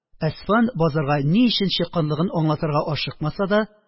Әсфан базарга ни өчен чыкканлыгын аңлатырга ашыкмаса да,